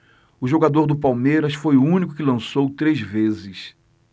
o jogador do palmeiras foi o único que lançou três vezes